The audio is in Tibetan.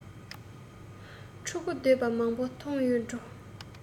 ཕྲུ གུ བསྡད པ མང པོ མཐོང ཡོད འགྲོ